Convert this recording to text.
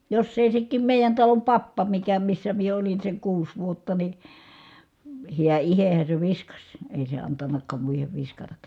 jos ei sekin meidän talon pappa mikä missä minä olin sen kuusi vuotta niin hän itsehän se viskasi ei se antanutkaan muiden viskatakaan